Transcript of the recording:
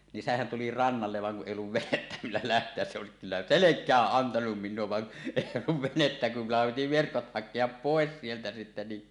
niin sehän tuli rannalle vaan kun ei ollut venettä millä lähteä se olisi kyllä selkään antanut minulle vaan ei ollut venettä kun minullahan piti verkot hakea pois sieltä sitten niin